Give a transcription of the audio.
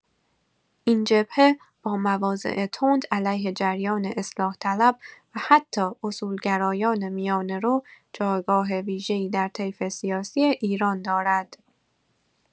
این جبهه با مواضع تند علیه جریان اصلاح‌طلب و حتی اصولگرایان میانه‌رو، جایگاه ویژه‌ای در طیف سیاسی ایران دارد.